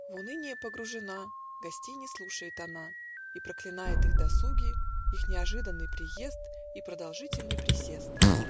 В уныние погружена, Гостей не слушает она И проклинает их досуги, Их неожиданный приезд И продолжительный присест.